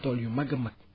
tool yu mag a mag